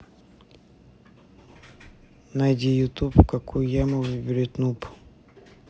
найти ютуб какую яму выберет нуб